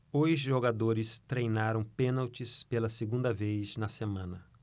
os jogadores treinaram pênaltis pela segunda vez na semana